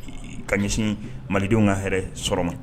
Ka ɲɛsin malidenw ka hɛrɛ sɔrɔ ma